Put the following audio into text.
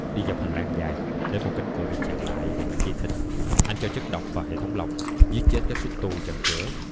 đi dọc hành lang dài đến một cánh cửa bị chặn lại bởi những dây thịt anh cho chất độc vào hệ thống lọc giết chết các xúc tu chặn cửa